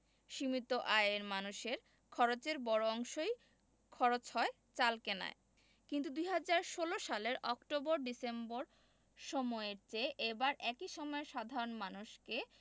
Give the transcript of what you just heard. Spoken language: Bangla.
সীমিত আয়ের মানুষের খরচের বড় অংশই খরচ হয় চাল কেনায় কিন্তু ২০১৬ সালের অক্টোবরডিসেম্বর সময়ের চেয়ে এবার একই সময়ে সাধারণ মানুষকে